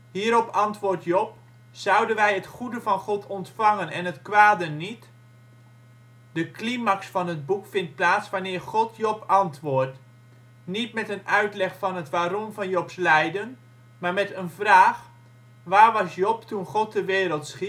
Hierop antwoordt Job: " Zouden wij het goede van God ontvangen, en het kwade niet? " De climax van het boek vindt plaats wanneer God Job antwoordt, niet met een uitleg van het waarom van Jobs lijden, maar met een vraag: waar was Job toen God de wereld